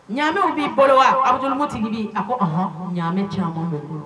Ɲamɛw b'i bolo wa abudmu tigi bi a koɔn ɲamɛ tiɲɛ